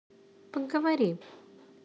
поговори